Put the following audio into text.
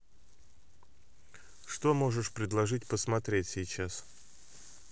что можешь предложить посмотреть сейчас